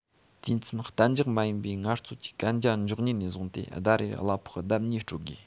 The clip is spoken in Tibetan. དུས མཚམས གཏན འཇགས མ ཡིན པའི ངལ རྩོལ གྱི གན རྒྱ འཇོག ཉིན ནས བཟུང སྟེ ཟླ རེར གླ ཕོགས ལྡབ གཉིས སྤྲོད དགོས